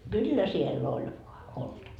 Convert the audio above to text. kyllä siellä oli vain oltava